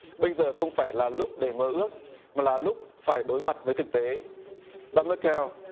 bây giờ không phải là lúc để mơ ước mà là lúc phải đối mặt với thực tế bà mớt keo